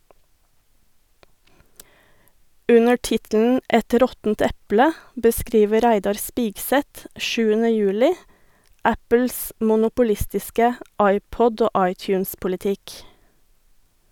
Under tittelen «Et råttent eple» beskriver Reidar Spigseth 7. juli Apples monopolistiske iPod- og iTunes-politikk.